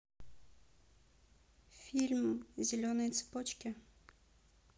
фильм зеленые цепочки